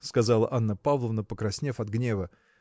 – сказала Анна Павловна, покраснев от гнева.